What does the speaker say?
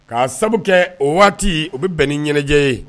K'a sabu kɛ o waati o bɛ bɛn ni ɲɛnajɛ ye